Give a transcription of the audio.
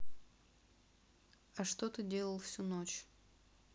а что ты делал всю ночь